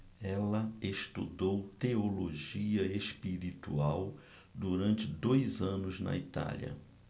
ela estudou teologia espiritual durante dois anos na itália